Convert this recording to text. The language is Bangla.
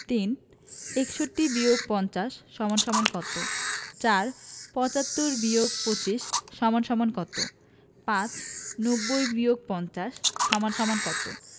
৩ ৬১-৫০ = কত ৪ ৭৫-২৫ = কত ৫ ৯০-৫০ = কত